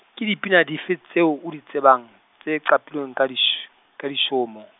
ke dipina dife tseo o di tsebang, tse qapilweng ka dish-, ka ditshomo?